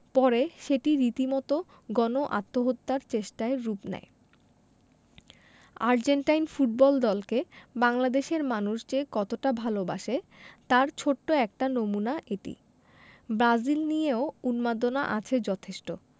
পরে সেটি রীতিমতো গণ আত্মহত্যার চেষ্টায় রূপ নেয় আর্জেন্টাইন ফুটবল দলকে বাংলাদেশের মানুষ যে কতটা ভালোবাসে তার ছোট্ট একটা নমুনা এটি ব্রাজিল নিয়েও উন্মাদনা আছে যথেষ্ট